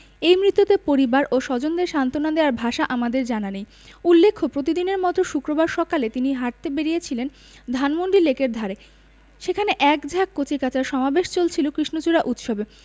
এই মৃত্যুতে পরিবার ও স্বজনদের সান্তনা দেয়ার ভাষা আমাদের জানা নেই উল্লেখ্য প্রতিদিনের মতো শুক্রবার সকালে তিনি হাঁটতে বেরিয়েছিলেন ধানমন্ডি লেকের ধারে সেখানে এক ঝাঁক কচিকাঁচার সমাবেশ চলছিল কৃষ্ণচূড়া উৎসবে